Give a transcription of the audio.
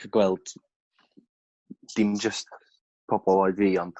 a ca'l gweld dim jyst pobol oed fi ond